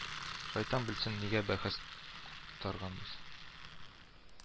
Шайтан белсен, нигә бәхәс куп тарганбыз